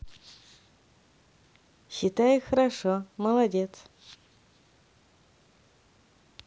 считаю хорошо молодец